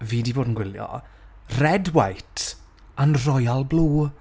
Fi 'di bod yn gwylio, Red, White and Royal Blue.